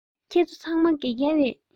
ཁྱེད ཚོ ཚང མ དགེ རྒན རེད